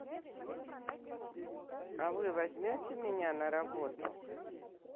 а вы возьмете меня на работу